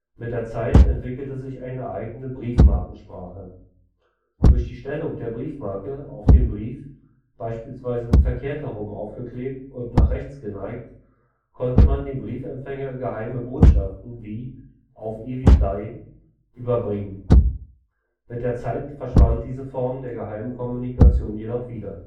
Mit der Zeit entwickelte sich eine eigene Briefmarkensprache. Durch die Stellung der Briefmarke (n) auf dem Brief, beispielsweise verkehrt herum aufgeklebt und nach rechts geneigt, konnte man dem Briefempfänger geheime Botschaften, wie „ Auf ewig dein “, überbringen. Mit der Zeit verschwand diese Form der geheimen Kommunikation jedoch wieder